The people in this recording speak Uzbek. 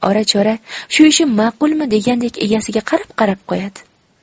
ora chora shu ishim maqulmi degandek egasiga qarab qarab qo'yadi